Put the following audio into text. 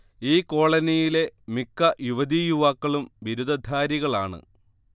ഈ കോളനിയിലെ മിക്ക യുവതിയുവാക്കളും ബിരുദധാരികളാണ്